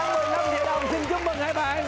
xin chúc mừng hai bạn